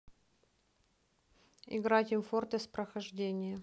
игра тим фортресс прохождение